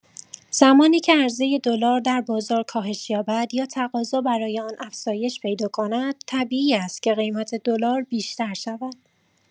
زمانی که عرضه دلار در بازار کاهش یابد یا تقاضا برای آن افزایش پیدا کند، طبیعی است که قیمت دلار بیشتر شود.